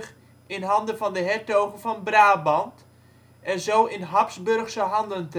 1288 in handen van de Hertogen van Brabant en zo in Habsburgse handen